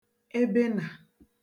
ebe nà